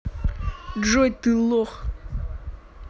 джой ты лох